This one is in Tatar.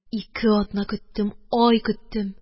Ике атна көттем, ай көттем